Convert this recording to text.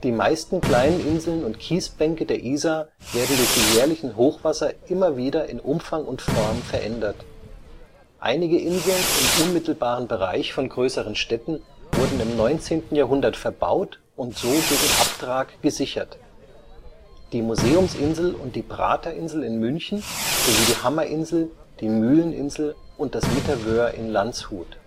meisten kleinen Inseln und Kiesbänke der Isar werden durch die jährlichen Hochwasser immer wieder in Umfang und Form verändert. Einige Inseln im unmittelbaren Bereich von größeren Städten wurden im 19. Jahrhundert verbaut und so gegen Abtrag gesichert: die Museumsinsel und die Praterinsel in München sowie die Hammerinsel, die Mühleninsel und das Mitterwöhr in Landshut